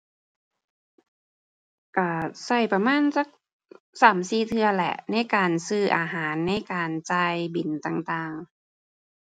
ก็ก็ประมาณจักสาม สี่เทื่อแหละ ในการซื้ออาหาร ในการจ่ายบิลต่างต่าง